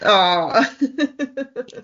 O!